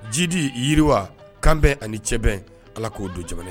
Jidi yiriwa kanbɛn ani cɛbɛn ala k'o don jamana